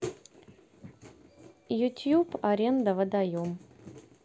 youtube аренда водоем